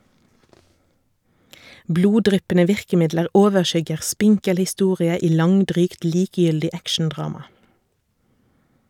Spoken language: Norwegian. Bloddryppende virkemidler overskygger spinkel historie i langdrygt, likegyldig actiondrama.